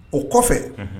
O kɔfɛ